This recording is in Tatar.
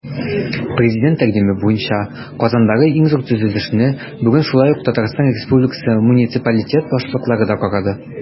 Президент тәкъдиме буенча Казандагы иң зур төзелешне бүген шулай ук ТР муниципалитет башлыклары да карады.